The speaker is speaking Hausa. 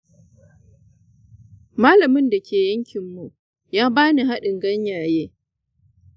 mallamin da ke yankinmu ya ba ni hadin ganyaye.